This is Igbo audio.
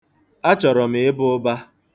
Achọrọ m ịba ụba.